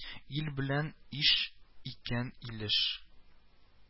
Ил белән иш икән Илеш